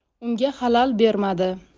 unga xalal bermadi